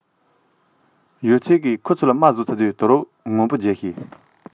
ཡོད ཚད ཀྱིས མཁུར ཚོས ལ རྨ བཟོས པ སོགས ད དུང ངོམས ཤིག